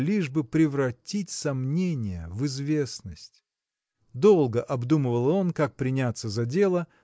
лишь бы превратить сомнение в известность. Долго обдумывал он как приняться за дело